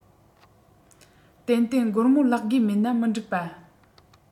ཏན ཏན སྒོར མོ བརླག དགོས མེད ན མི འགྲིག པ